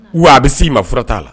Wa a bɛ s'i ma fura t'a la